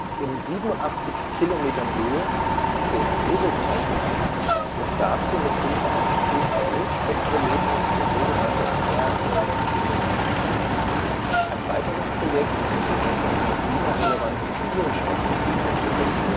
In 87 Kilometern Höhe, der Mesopause, wird dazu mit Hilfe eines Infrarotspektrometers der sogenannte Airglow gemessen. Ein weiteres Projekt ist die Messung von klimarelevanten Spurenstoffen in der Troposphäre